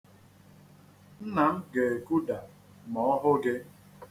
Nna m ga-ekuda ma ọ hụ gị.